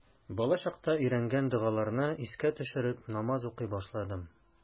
Балачакта өйрәнгән догаларны искә төшереп, намаз укый башладым.